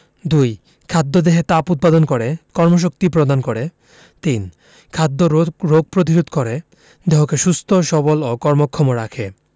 ২. খাদ্য দেহে তাপ উৎপাদন করে কর্মশক্তি প্রদান করে ৩. খাদ্য রোগ প্রতিরোধ করে দেহকে সুস্থ সবল এবং কর্মক্ষম রাখে